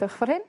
Dewch ffor hyn.